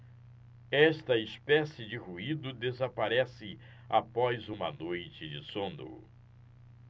esta espécie de ruído desaparece após uma noite de sono